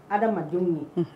Adama adamadenw ye